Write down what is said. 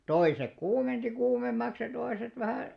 toiset kuumensi kuumemmaksi ja toiset vähän